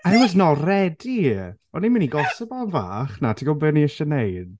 I was not ready, o'n i'n mynd i gosipo am bach, na ti'n gwbod be o'n i isie wneud?